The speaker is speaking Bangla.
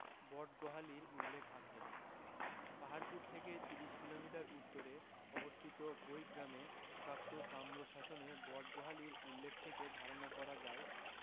বটগোহালীর উল্লেখ আছে পাহাড়পুর থেকে ৩০ কিলোমিটার উত্তরে অবস্থিত বৈগ্রামে প্রাপ্ত তাম্রশাসনে বটগোহালীর উল্লেখ থেকে ধারণা করা যায়